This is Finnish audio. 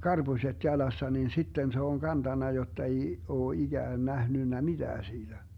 karpuset jalassa niin sitten se on kantanut jotta ei ole ikään nähnyt mitään siitä